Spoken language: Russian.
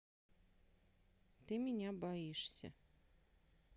ты меня боишься